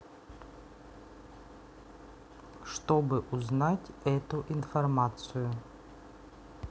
чтобы узнать эту информацию